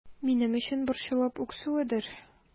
Минем өчен борчылып үксүедер...